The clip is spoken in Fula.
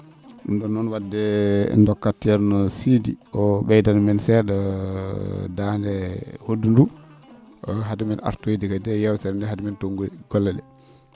?um ?oon noon wadde e en ndokkat ceerno Sidy o ?eydana men see?a daande hoddu nduu hade men artoyde kadi e yeewtere ndee e hade men to?goyde golle ?ee